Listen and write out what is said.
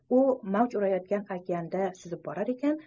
u mavj urayotgan okeanda suzib borar ekan